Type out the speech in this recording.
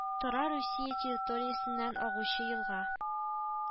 Тора Русия территориясеннән агучы елга